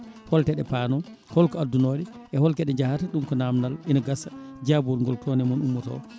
holtoɗe paano holko addunoɗe e holkoɗe jaayata ɗum ko namdal ene gaasa jabuwol ngol ko toon e moon ummoto